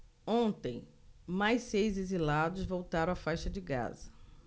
ontem mais seis exilados voltaram à faixa de gaza